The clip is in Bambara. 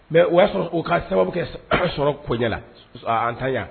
Mais o ya sɔrɔ u ka sababu kɛ sɔrɔ koɲɛ la . An tan